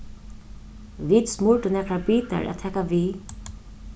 vit smurdu nakrar bitar at taka við